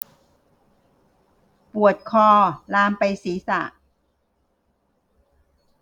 ปวดคอลามไปศีรษะ